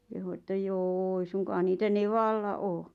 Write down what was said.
kehui että joo ei suinkaan niitä nevalla ole